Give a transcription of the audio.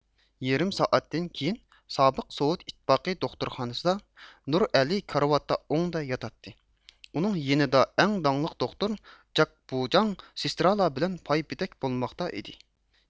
يېرىم سائەتتىن كېيىن سابىق سوۋېت ئىتتىپاقى دوختۇرخانىسىدا نۇرئەلى كارىۋاتتا ئوڭدا ياتاتتى ئۇنىڭ يېنىدا ئەڭ داڭلىق دوختۇر جاكبۇجاڭ سېستىرالار بىلەن پايپېتەك بولماقتا ئىدى